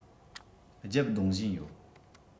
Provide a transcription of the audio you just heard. བརྒྱབ རྡུང བཞིན ཡོད